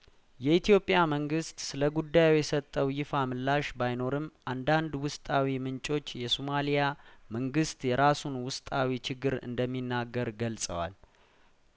የኢትዮጵያ መንግስት ስለጉዳዩ የሰጠው ይፋምላሽ ባይኖርም አንዳንድ ውስጣዊ ምንጮች የሶማሊያ መንግስት የራሱን ውስጣዊ ችግር እንደሚናገር ገልጸዋል